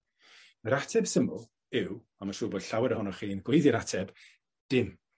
Yr ateb syml yw, a ma' siwr bod llawer ohonoch chi'n gweiddi'r ateb, dim!